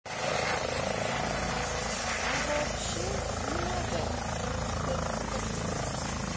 а вообще не надо st доп